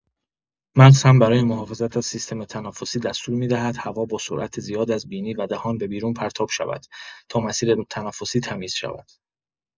مغز هم برای محافظت از سیستم تنفسی دستور می‌دهد هوا با سرعت زیاد از بینی و دهان به بیرون پرتاب شود تا مسیر تنفسی تمیز شود.